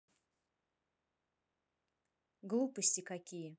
глупости какие